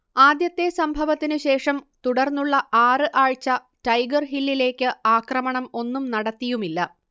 ആദ്യത്തെ സംഭവത്തിനു ശേഷം തുടർന്നുള്ള ആറ് ആഴ്ച ടൈഗർ ഹില്ലിലേക്ക് ആക്രമണം ഒന്നും നടത്തിയുമില്ല